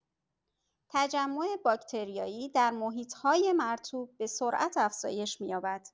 تجمع باکتریایی در محیط‌های مرطوب به‌سرعت افزایش می‌یابد.